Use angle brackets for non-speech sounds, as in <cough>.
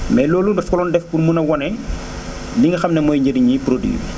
mais loolu daf ko doon def pour mën a wane <noise> li nga xam ne mooy njëriñ yi produits bi